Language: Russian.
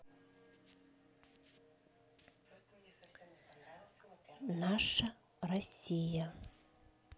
наша россия